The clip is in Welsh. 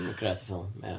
Grêt o ffilm, ia.